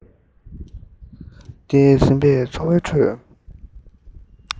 འདས ཟིན པའི འཚོ བའི ཁྲོད